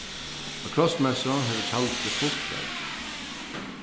á krossmessu hevur tjaldrið fult reiður